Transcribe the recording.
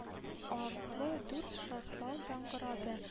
Артлы дүрт шартлау яңгырады